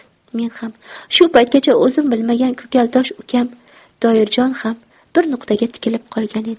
men ham shu paytgacha o'zim bilmagan ko'kaltosh ukam toyirjon ham bir nuqtaga tikilib qolgan edik